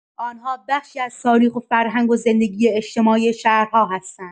آنها بخشی از تاریخ، فرهنگ و زندگی اجتماعی شهرها هستند.